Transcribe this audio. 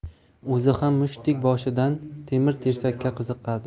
o'zi ham mushtdek boshidan temir tersakka qiziqadi